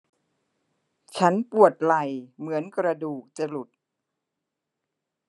ฉันปวดไหล่เหมือนกระดูกจะหลุด